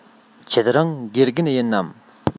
ཁྱེད རང དགེ རྒན ཡིན ནམ